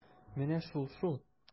Менә шул-шул!